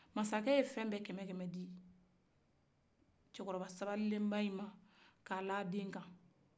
masakɛ ye fɛn bɛɛ kɛmɛkɛmɛ di cɛkɔrɔba sabalilen in ma ka a da a den kan